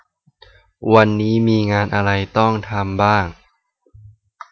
วันนี้มีงานอะไรต้องทำบ้าง